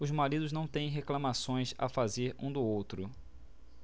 os maridos não têm reclamações a fazer um do outro